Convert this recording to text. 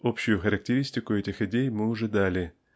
Общую характеристику этих идей мы уже дали.